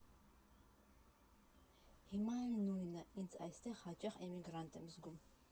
Հիմա էլ նույնը՝ ինձ այստեղ հաճախ էմիգրանտ եմ զգում։